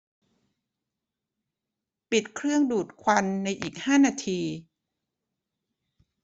ปิดเครื่องดูดควันในอีกห้านาที